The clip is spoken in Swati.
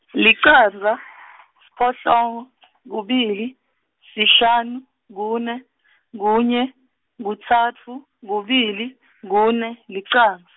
licandza, siphohlongo , kubili, sihlanu, kune , kunye, kutsatfu, kubili , kune, licandz-.